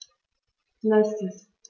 Nächstes.